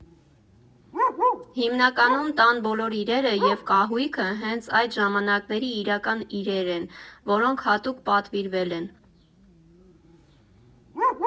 Հիմնականում տան բոլոր իրերը և կահույքը հենց այդ ժամանակների իրական իրեր են, որոնք հատուկ պատվիրվել են։